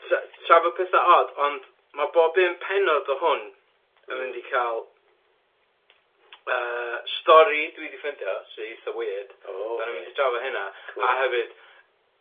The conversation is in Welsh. Tra- trafod petha od, ond ma' bob un pennod o hwn... Hmm. ...yn mynd i ca'l yy, story dwi 'di ffindio sy itha weird... O ocê. ...'dan ni'n mynd i drafod hynna . Cŵl. A hefyd